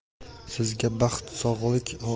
sizga baxt sog'lik